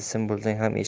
sim bo'lsang ham eshadi